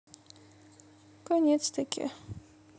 конец таки